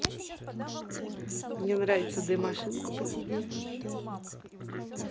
мне нравится d машинку по тебе